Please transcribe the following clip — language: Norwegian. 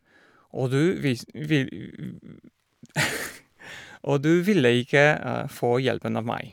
og du vis vil Og du ville ikke få hjelpen av meg.